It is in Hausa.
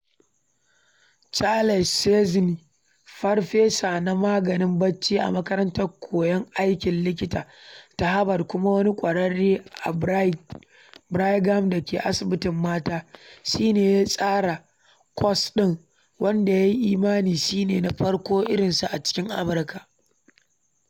Charles Czeisler, farfesa na maganin barci a Makarantar Koyon Aikin Likita ta Harvard kuma wani ƙwararre a Brigham da Asibitin Mata, shi ne ya tsara kwas din, wanda ya yi imani shi ne na farko irinsa a cikin Amurka.